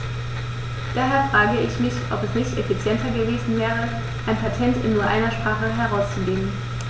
Daher frage ich mich, ob es nicht effizienter gewesen wäre, ein Patent in nur einer Sprache herauszugeben.